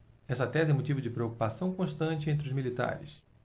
esta tese é motivo de preocupação constante entre os militares